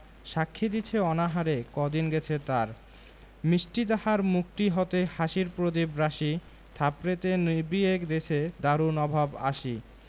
সাক্ষী দিছে অনাহারে কদিন গেছে তার মিষ্টি তাহার মুখটি হতে হাসির প্রদীপ রাশি থাপড়েতে নিবিয়ে দেছে দারুণ অভাব আসি